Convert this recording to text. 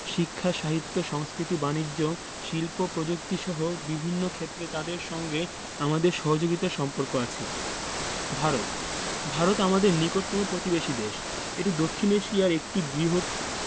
শিক্ষা সাহিত্য সংস্কৃতি বানিজ্য শিল্প প্রযুক্তিসহ বিভিন্ন ক্ষেত্রে তাদের সঙ্গে আমাদের সহযোগিতার সম্পর্ক আছে ভারতঃ ভারত আমাদের নিকটতম প্রতিবেশী দেশএটি দক্ষিন এশিয়ার একটি বৃহৎ